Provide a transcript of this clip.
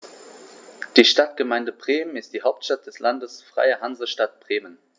Die Stadtgemeinde Bremen ist die Hauptstadt des Landes Freie Hansestadt Bremen.